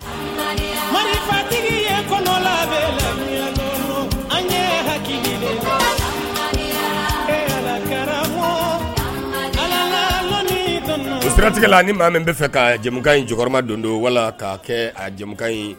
Marifatigi an hakili siratigɛ la ni maa min bɛ fɛ ka jamu in jɔyɔrɔma don don wala k'a kɛ a jama ye